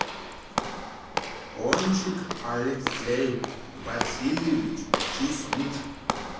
кинчик алексей васильевич чинчик